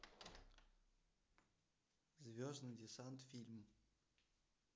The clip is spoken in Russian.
звездный десант фильм